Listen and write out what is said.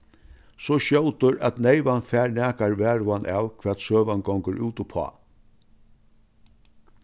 so skjótur at neyvan fær nakar varhugan av hvat søgan gongur út uppá